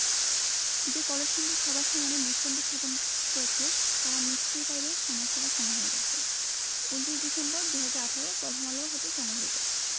যে কলসিন্দুর সবার সামনে দৃষ্টান্ত স্থাপন করেছে তারা নিশ্চয়ই পারবে সমস্যাটার সমাধান করতে ২৯ ডিসেম্বর ২০১৮ প্রথম আলো হতে সংগৃহীত